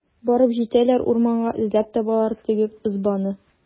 Барып җитәләр урманга, эзләп табалар теге ызбаны.